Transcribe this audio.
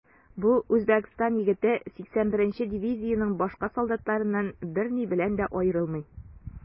Бу Үзбәкстан егете 81 нче дивизиянең башка солдатларыннан берни белән дә аерылмый.